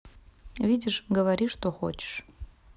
видишь говори что хочешь